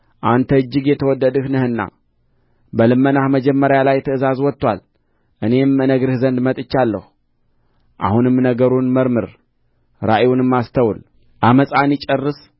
አንተ እጅግ የተወደድህ ነህና በልመናህ መጀመሪያ ላይ ትእዛዝ ወጥቶአል እኔም እነግርህ ዘንድ መጥቻለሁ አሁንም ነገሩን መርምር ራእዩንም አስተውል ዓመፃን ይጨርስ